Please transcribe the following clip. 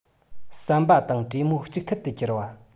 བསམ པ དང གྲོས མོལ གཅིག མཐུན དུ གྱུར པ